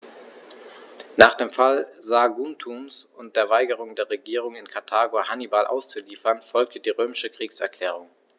Nach dem Fall Saguntums und der Weigerung der Regierung in Karthago, Hannibal auszuliefern, folgte die römische Kriegserklärung.